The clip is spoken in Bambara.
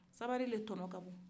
sabari de tɔnɔ ka bon